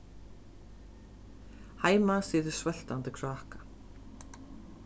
heima situr svøltandi kráka